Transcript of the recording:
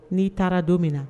N'i taara don min na